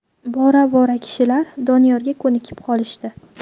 bora bora kishilar doniyorga ko'nikib qolishdi